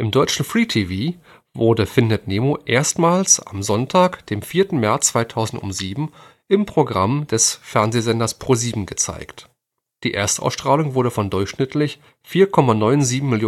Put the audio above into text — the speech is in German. deutschen Free-TV wurde Findet Nemo erstmals am Sonntag, dem 4. März 2007 im Programm des Fernsehsenders ProSieben gezeigt. Die Erstausstrahlung wurde von durchschnittlich 4,97